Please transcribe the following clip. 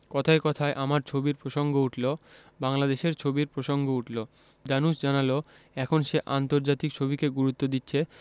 কথায় কথায় আমার ছবির প্রসঙ্গ উঠলো বাংলাদেশের ছবির প্রসঙ্গ উঠলো ধানুশ জানালো এখন সে আন্তর্জাতিক ছবিকে গুরুত্ব দিচ্ছে